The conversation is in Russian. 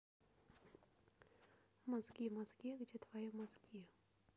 мозги мозги где твои мозги